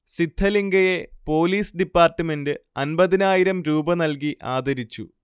സിദ്ധലിങ്കയെ police department അൻപതിനായിരം രൂപ നൽകി ആദരിച്ചു